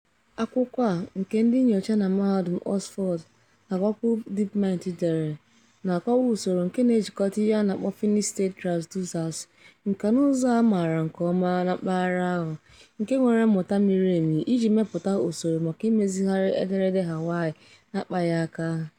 Akwụkwọ a, nke ndị nnyocha na Mahadum Oxford na Google Deep Mind dere, na-akọwa usoro nke na-ejikọta ihe a na-akpọ "finite state transducers", nkànaụzụ a maara nke ọma na mpaghara ahụ, nke nwere mmụta miri emi iji mepụta usoro maka imezigharị ederede Hawaii n'akpaghị aka.